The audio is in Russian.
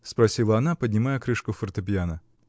-- спросила она, поднимая крышку фортепьяно.